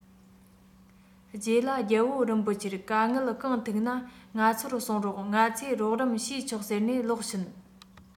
རྗེས ལ རྒྱལ པོ རིན པོ ཆེར དཀའ ངལ གང ཐུག ནའི ང ཚོར གསུང རོགས ང ཚོས རོགས རམ ཞུས ཆོག ཟེར ནས ལོག ཕྱིན